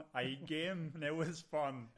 ...a'i gem newydd sbon.